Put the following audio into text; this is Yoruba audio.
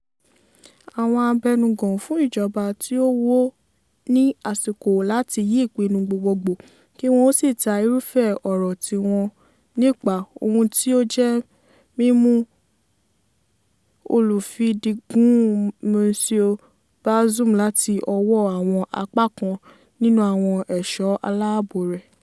Àwọn abẹnugan fún ìjọba tí ó wó ní àsìkò láti yí ìpinnu gbogbogbò kí wọn ó sì ta irúfẹ́ ọ̀rọ̀ tiwọn nípa ohun tí ó jẹ́ mímú olùfidígun Monsieur Bazoum láti ọwọ́ àwọn apá kan nínú àwọn ẹ̀ṣọ́ aláàbò rẹ̀.